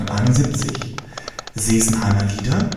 1771 Sesenheimer Lieder